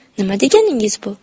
nima deganingiz bu